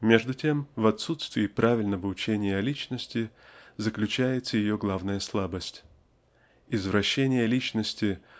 Между тем в отсутствии правильного учения о личности заключается ее главная слабость. Извращение личности